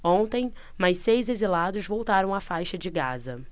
ontem mais seis exilados voltaram à faixa de gaza